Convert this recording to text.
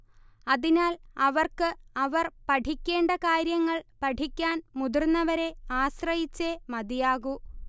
അതിനാൽ അവർക്ക് അവർ പഠിക്കേണ്ട കാര്യങ്ങൾ പഠിക്കാൻ മുതിർന്നവരെ ആശ്രയിച്ചേ മതിയാകൂ